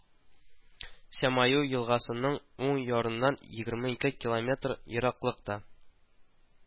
Сямаю елгасының уң ярыннан егерме ике километр ераклыкта